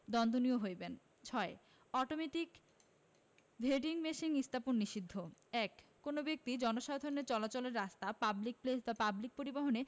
দন্ডনীয় হইবেন ৬ automatic vending machine স্থাপন নিষিদ্ধঃ ১ কোন ব্যক্তি জনসাধারণের চলাচলের রাস্তা পাবলিক প্লেস বা পাবলিক পরিবহণে